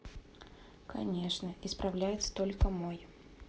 конечно исправляется только мой